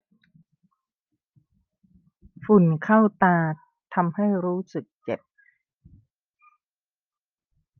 ฝุ่นเข้าตาทำให้รู้สึกเจ็บ